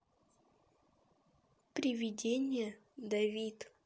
приведение давид